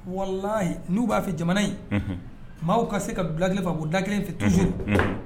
Walahi n'u b'a fɛ jamana in unhun maaw ka se ka don da kelen fɛ ka bɔ da kelen fɛ unhun toujours unhun